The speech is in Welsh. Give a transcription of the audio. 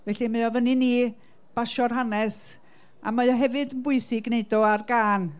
Felly mae o fyny i ni basio'r hanes, a mae o hefyd yn bwysig ei wneud ar gân.